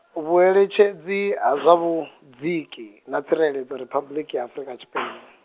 vhueletshedzi ha zwa Vhudziki, na Tsireledzo Riphabuḽiki ya Afrika Tshipembe.